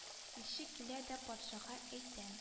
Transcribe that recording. Илче килә дә патшага әйтә